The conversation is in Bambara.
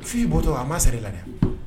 Fifi' bɔtɔ a m'a sar i la dɛ.